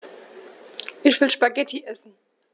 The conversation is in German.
Ich will Spaghetti essen.